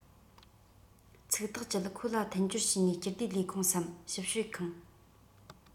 ཚིག ཐག བཅད ཁོ ལ མཐུན སྦྱོར བྱས ནས སྤྱི བདེ ལས ཁུངས སམ ཞིབ དཔྱོད ཁང